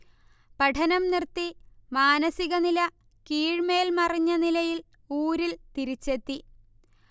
പഠനം നിർത്തി, മാനസികനില കീഴ്മേൽ മറിഞ്ഞനിലയിൽ ഊരിൽ തിരിച്ചെത്തി